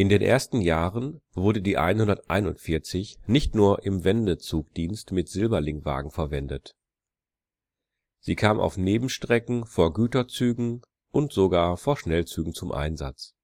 ersten Jahren wurde die 141 nicht nur im Wendezugdienst mit Silberling-Wagen verwendet. Sie kam auf Nebenstrecken vor Güterzügen und sogar vor Schnellzügen zum Einsatz